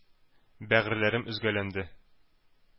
Бәгырьләрем өзгәләнде,